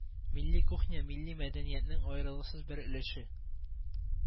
Милли кухня милли мәдәниятнең аерылгысыз бер өлеше